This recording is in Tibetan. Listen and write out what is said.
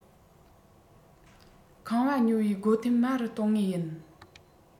ཁང པ ཉོས པའི སྒོ ཐེམ དམའ རུ གཏོང ངེས ཡིན